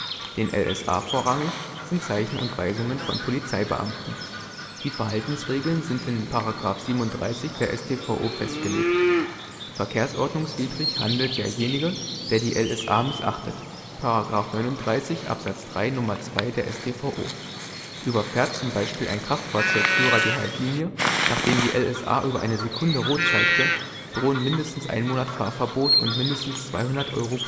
Den LSA vorrangig sind Zeichen und Weisungen von Polizeibeamten. Die Verhaltensregeln sind in § 37 StVO festgelegt. Verkehrordnungswidrig handelt derjenige, der die LSA missachtet § 49 Abs. 3 Nr. 2 StVO. Überfährt z. B. ein Kraftfahrzeugführer die Haltlinie, nachdem die LSA über eine Sekunde Rot zeigte, drohen mindestens ein Monat Fahrverbot und mindestens 200 Euro